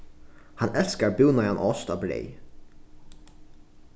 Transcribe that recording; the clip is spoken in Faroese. hann elskar búnaðan ost á breyð